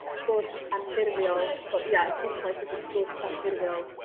Sgwrs anffurfiol so ia y pwyslais ydi sgwrs anffurfiol.